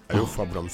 A y'o fa baramuso